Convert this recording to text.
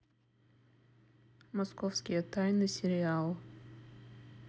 московские тайны сериал